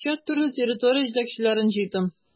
Кичә төрле территория җитәкчеләрен җыйдым.